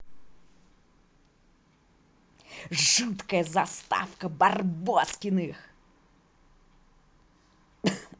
жуткая заставка барбоскиных